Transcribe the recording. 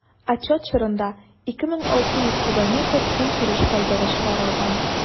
Отчет чорында 2600 кубометр көнкүреш калдыгы чыгарылган.